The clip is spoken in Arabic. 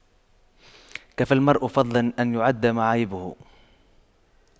كفى المرء فضلا أن تُعَدَّ معايبه